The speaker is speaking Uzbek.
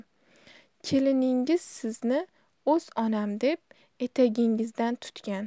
keliningiz sizni o'z onam deb etagingizdan tutgan